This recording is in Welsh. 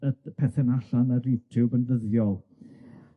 yy y pethe 'ma allan ar YouTube yn ddyddiol.